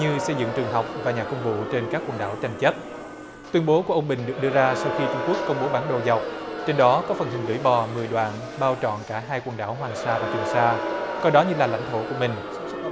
như xây dựng trường học và nhà công vụ trên các quần đảo tranh chấp tuyên bố của ông bình được đưa ra sau khi trung quốc công bố bản đồ dọc trên đó có phần hình lưỡi bò mười đoạn bao trọn cả hai quần đảo hoàng sa và trường sa coi đó như là lãnh thổ của mình